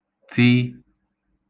t